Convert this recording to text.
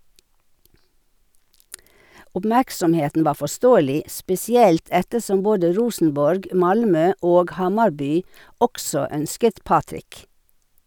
Oppmerksomheten var forståelig, spesielt ettersom både Rosenborg, Malmö og Hammarby også ønsket Patrik.